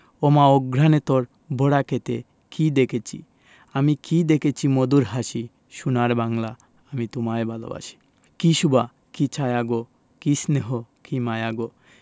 ওমা অঘ্রানে তোর ভরা ক্ষেতে কী দেখেসি আমি কী দেখেছি মধুর হাসি সোনার বাংলা আমি তোমায় ভালোবাসি কী শোভা কী ছায়া গো কী স্নেহ কী মায়া গো